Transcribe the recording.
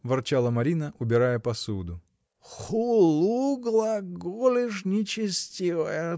— ворчала Марина, убирая посуду. — Хулу глаголешь, нечестивая.